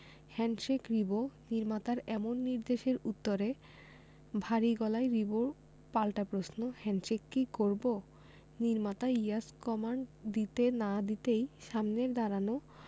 handshake Ribo নির্মাতার এমন নির্দেশের উত্তরে ভারী গলায় রিবোর পাল্টা প্রশ্ন হ্যান্ডশেক কি করবো নির্মাতা ইয়েস কমান্ড দিতে না দিতেই সামনের দাঁড়ানো